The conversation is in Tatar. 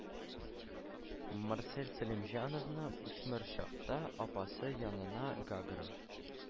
Марсель Сәлимҗановны үсмер чакта апасы янына Гагра